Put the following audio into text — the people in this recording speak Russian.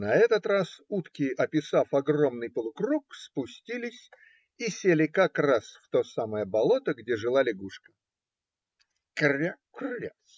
На этот раз утки, описав огромный полукруг, спустились и сели как раз в то самое болото, где жила лягушка. - Кря, кря!